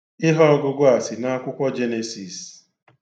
Ihe ọgụgụ a si n'akwụkwọ Jenesis.